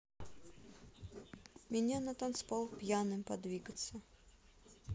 меня танцпол пьяным подвигаться